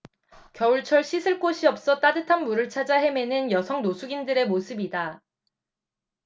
겨울철 씻을 곳이 없어 따뜻한 물을 찾아 헤매는 여성 노숙인들의 모습이다